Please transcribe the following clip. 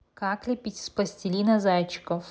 как лепить из пластилина зайчиков